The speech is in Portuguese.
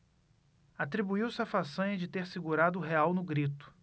atribuiu-se a façanha de ter segurado o real no grito